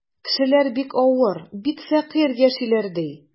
Кешеләр бик авыр, бик фәкыйрь яшиләр, ди.